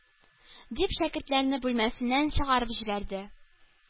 Дип, шәкертләрне бүлмәсеннән чыгарып җибәрде.